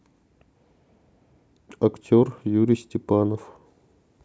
актер юрий степанов